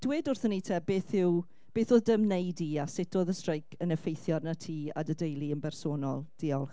Dŵed wrthyn ni te beth yw... beth oedd dy ymwneud di a sut oedd y streic yn effeithio arnot ti a dy deulu yn bersonol. Diolch.